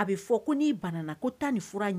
A bɛ fɔ n' bana ko tan ni furu